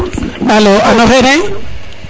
alo ano xene